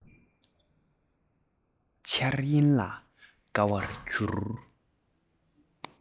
འཆར ཡན ལ དགའ བར གྱུར